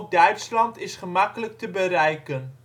Duitsland is gemakkelijk te bereiken